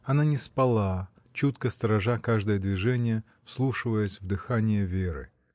Она не спала, чутко сторожа каждое движение, вслушиваясь в дыхание Веры.